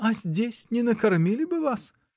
— А здесь не накормили бы вас!